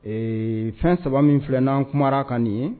Ee fɛn saba min filɛna kuma ka nin ye